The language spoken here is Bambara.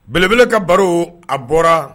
Belebele ka baro a bɔra